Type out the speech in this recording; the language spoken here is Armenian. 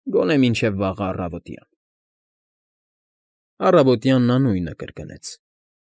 Գոնե մինչև վաղը առավոտ։ Առավոտյան նա նույնը կրկնեց։